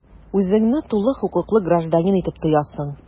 Үзеңне тулы хокуклы гражданин итеп тоясың.